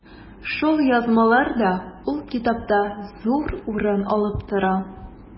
Шул язмалар да ул китапта зур урын алып тора.